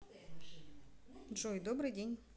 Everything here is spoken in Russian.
джой добрый день